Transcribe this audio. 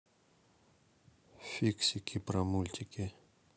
фиксики про мультики